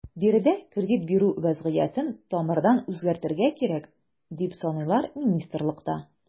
Биредә кредит бирү вәзгыятен тамырдан үзгәртергә кирәк, дип саныйлар министрлыкта.